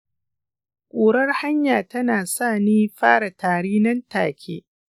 ƙurar hanya tana sa ni fara tari nan take.